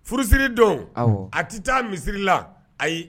Furusiri don awɔ a te taa misiri la ayi